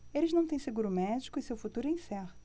eles não têm seguro médico e seu futuro é incerto